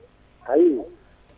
ayi